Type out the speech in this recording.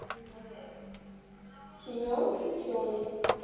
семен ученый